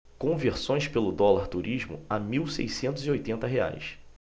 conversões pelo dólar turismo a mil seiscentos e oitenta reais